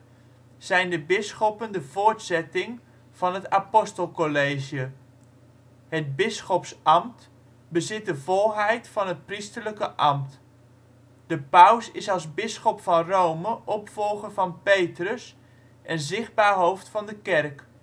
zijn de bisschoppen de voortzetting van het apostelcollege. Het bisschopsambt bezit de volheid van het priesterlijke ambt. De paus is als bisschop van Rome opvolger van Petrus en zichtbaar hoofd van de Kerk